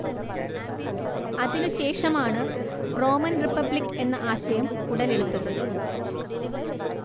അതിനു ശേഷം ആണ് റോമൻ റിപ്പബ്ലിക്ക് എന്ന ആശയം ഉടലെടുത്തത്